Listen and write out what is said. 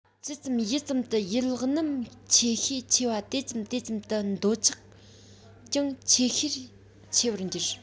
ཇི ཙམ ཡི ཙམ དུ ཡུལ རྣམས ཆེས ཤས ཆེ བ དེ ཙམ དེ ཙམ དུ འདོད ཆགས ཀྱང ཆེས ཤས ཆེ བར འགྱུར